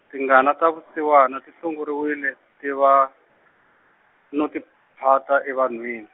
tingana ta vusiwana ti hlongoriwile tiva, no tiphata, evanhwini.